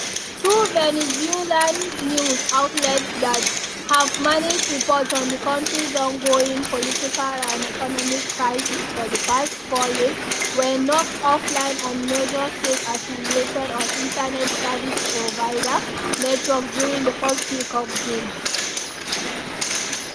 Two Venezuelan news outlets that have managed report on the country’s ongoing political and economic crises for the past four years were knocked offline on major state-affiliated internet service provider networks during the first week of June.